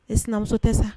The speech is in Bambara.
Ne sinamuso tɛ sa